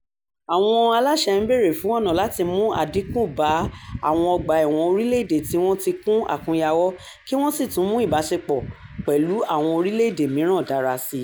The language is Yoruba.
Àwọn aláṣẹ ń bèrè fún ọ̀nà láti mú àdínkù bá àwọn ọgbà ẹ̀wọ̀n orílẹ̀-èdè tí wọ́n ti kún àkúnyawọ́ kí wọ́n sì tún mú ìbáṣepọ̀ pẹ̀lú àwọn orílẹ̀-èdè mìíràn dára síi.